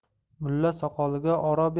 mulla soqoliga oro